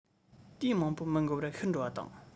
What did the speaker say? དུས མང པོ མི འགོར པར ཤི འགྲོ བ དང